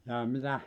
jaa mitä